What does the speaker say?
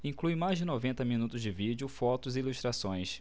inclui mais de noventa minutos de vídeo fotos e ilustrações